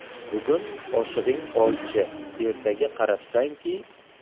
bugun oshig'ing olchi ertaga qarabsanki